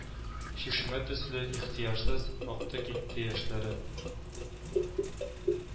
Чишмә төсле, ихтыярсыз акты китте яшьләрем